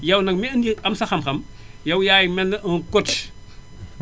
yow nag mi àndi am sa xam-xam yow yaay mel ne un coach